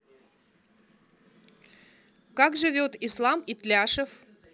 как живет ислам итляшев